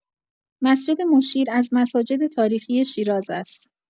مسجد مشیر از مساجد تاریخی شیراز است.